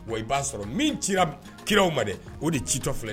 Wa i b'a sɔrɔ min kiraw ma dɛ o de citɔ filɛ